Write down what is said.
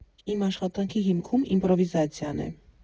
Իմ աշխատանքի հիմքում իմպրովիզացիան է։